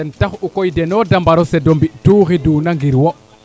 ten tax u koy deno de mbaro sed a mbi tuxiduna ngir wo